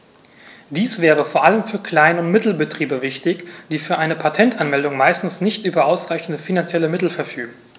Dies wäre vor allem für Klein- und Mittelbetriebe wichtig, die für eine Patentanmeldung meistens nicht über ausreichende finanzielle Mittel verfügen.